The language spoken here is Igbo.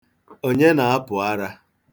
Onye na-apụ ara?